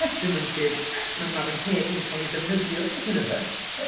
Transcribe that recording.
Dwi'm yn gallu... Ma' ma' fy ngheg i'n cael ei ddefnyddio tra dwi'n yfed.